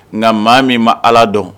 Nka maa min ma ala dɔn